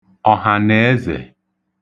ọ̀hànèezè